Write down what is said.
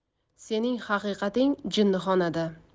sening haqiqating jinnixonada